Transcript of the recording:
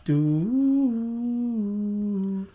Dŵr.